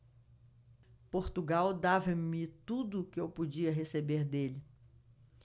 portugal dava-me tudo o que eu podia receber dele